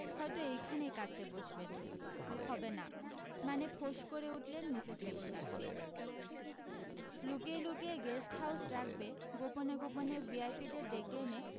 হয়তো এইখানেই কাঁদতে বসবেন হবে না মানে ফোঁস করে উঠলেন মিসেস বিশ্বাস লুকিয়ে লুকিয়ে গেষ্ট হাউস রাখবে গোপনে গোপনে ভিআইপিদের ডেকে এনে